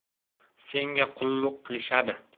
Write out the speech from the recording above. senga qulluq qilishadi